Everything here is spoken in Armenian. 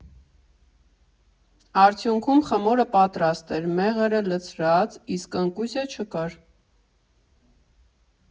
Արդյունքում խմորը պատրաստ էր, մեղրը՝ լցրած, իսկ ընկույզը չկար։